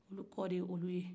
o kɔ de ye olu ye